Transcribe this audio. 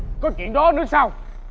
có chuyện đó nữa sao